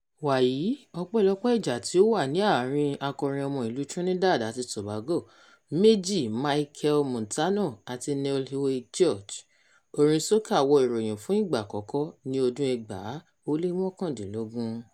Wàyí, ọpẹ́lọpẹ́ ìjà tí ó wà ní àárín-in akọrin ọmọ ìlú Trinidad àti Tobago méjì Machel Montano àti Neil “Iwer” George, orin soca wọ ìròyìn fún ìgbà àkọ́kọ́ ní ọdún 2019.